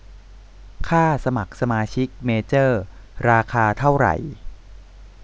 ค่าสมัครสมาชิกเมเจอร์ราคาเท่าไหร่